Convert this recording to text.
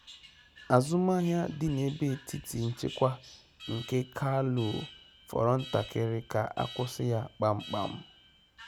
Azụmahịa dị n'ebe etiti nchịkwa nke Kalou fọrọ ntakịrị ka a kwụsị ya kpamkpam.